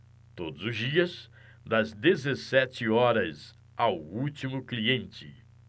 todos os dias das dezessete horas ao último cliente